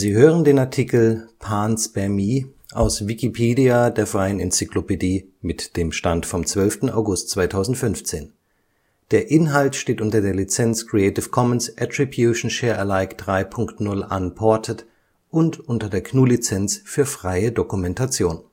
hören den Artikel Panspermie, aus Wikipedia, der freien Enzyklopädie. Mit dem Stand vom Der Inhalt steht unter der Lizenz Creative Commons Attribution Share Alike 3 Punkt 0 Unported und unter der GNU Lizenz für freie Dokumentation